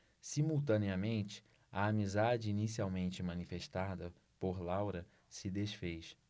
simultaneamente a amizade inicialmente manifestada por laura se disfez